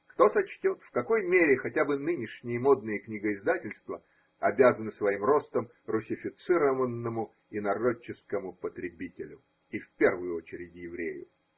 Кто сочтет, в какой мере хотя бы нынешние модные книгоиздательства обязаны своим ростом руссифицированному инородческому потребителю, и в первую очередь еврею?